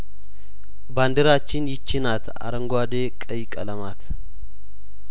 ባንዲራችን ይህችናት አረንጓዴ ቀይ ቀለማት